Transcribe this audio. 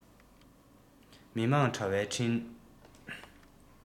མི དམངས དྲ བའི འཕྲིན